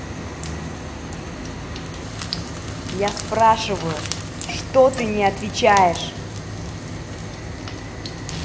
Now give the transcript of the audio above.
я спрашиваю что то не отвечаешь